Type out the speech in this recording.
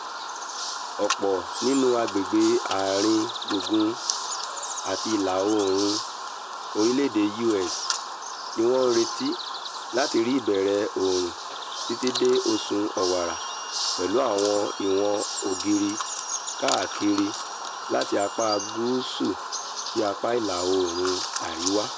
Ọ̀pọ̀ nínú agbègbè ààrin gungun àti ìlà-oòrùn orílẹ̀-èdè U.S. ní wọ́n ń retí láti rí ìbẹ̀rẹ̀ ooru títí dé oṣù Ọ̀wàrà pẹ̀lú àwọn ìwọ̀n ọgọ́rin káàkiri láti apá Gúúsù sí apá Ìlà-oòrùn Àríwá.